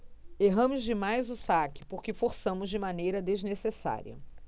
erramos demais o saque porque forçamos de maneira desnecessária